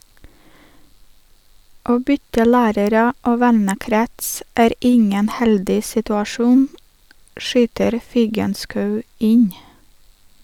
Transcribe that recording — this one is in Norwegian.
Å bytte lærere og vennekrets er ingen heldig situasjon, skyter Figenschou inn.